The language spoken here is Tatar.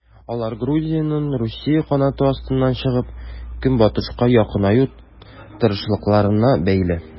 Алар Грузиянең Русия канаты астыннан чыгып, Көнбатышка якынаю тырышлыкларына бәйле.